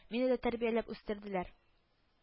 Мине дә тәрбияләп үстерделәр